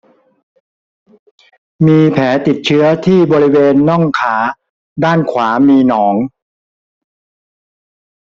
มีแผลติดเชื้อที่บริเวณน่องขาด้านขวามีหนอง